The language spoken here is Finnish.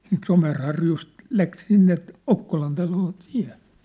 siitä Somerharjusta lähti sinne Okkolan taloon tie